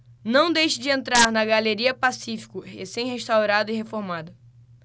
não deixe de entrar na galeria pacífico recém restaurada e reformada